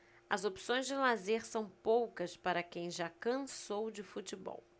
as opções de lazer são poucas para quem já cansou de futebol